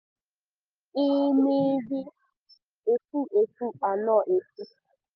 IMD_0040